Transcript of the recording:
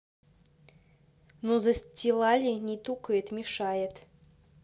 ну застилали не тукает мешает